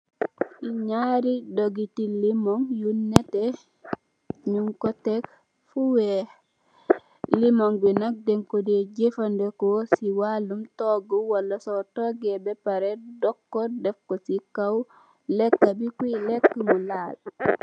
Li naari dogit yu nètè ñung ko tekk fu weeh, limon bi nak dën ko dè jafadeko ci wàlum togu wala su togè bè parè dog ko def ko ci kaw lekka bi ki lekk mu laal.